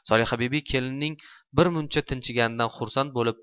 solihabibi kelinining birmuncha tinchiganidan xursand bo'lib